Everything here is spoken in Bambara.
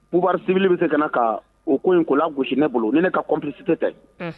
Pubasibili bɛ se ka ka u ko in ko la gosi ne bolo ne ka copsi tɛ tɛ